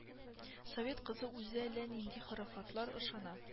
Совет кызы үзе әллә нинди хорафатлар ышана